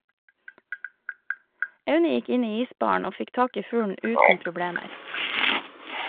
Aune gikk inn i isbaren og fikk tak i fuglen uten problemer.